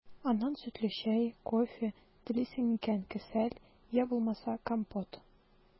Аннан сөтле чәй, кофе, телисең икән – кесәл, йә булмаса компот.